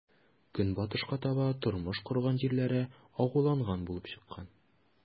Көнбатышка таба тормыш корган җирләре агуланган булып чыккан.